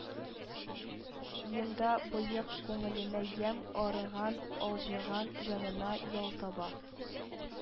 Енда боек күңеленә ямь, арыган-алҗыган җанына ял таба